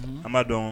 An ma dɔn